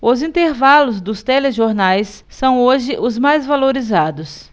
os intervalos dos telejornais são hoje os mais valorizados